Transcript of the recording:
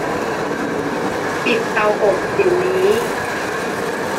ปิดเตาอบเดี๋ยวนี้